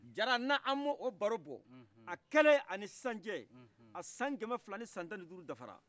diara n'amad'obarobɔ a kɛle ani sisancɛ a san kɛmɛfilani san tanidururu dafarala